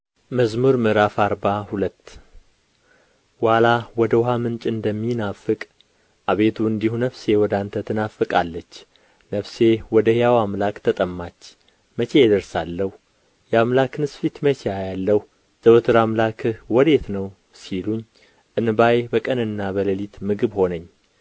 መዝሙር ምዕራፍ አርባ ሁለት ዋላ ወደ ውኃ ምንጭ እንደሚናፍቅ አቤቱ እንዲሁ ነፍሴ ወደ አንተ ትናፍቃለች ነፍሴ ወደ ሕያው አምላክ ተጠማች መቼ እደርሳለሁ የአምላክንስ ፊት መቼ አያለሁ ዘወትር አምላክህ ወዴት ነው ሲሉኝ እንባዬ በቀንና በሌሊት ምግብ ሆነኝ